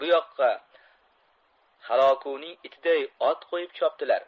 u yoqdan bu yoqqa halokuning itiday ot qo'yib chopdilar